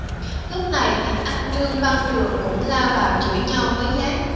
lúc này anh trương văn trường cũng lao vào chửi nhau với giáp